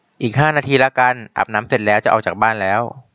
อีกห้านาทีละกันอาบน้ำเสร็จแล้วจะออกจากบ้านแล้ว